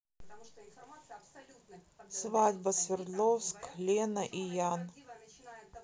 свадьба свердловск лена и ян